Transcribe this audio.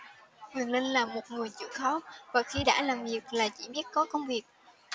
quyền linh là một người chịu khó và khi đã làm việc là chỉ biết có công việc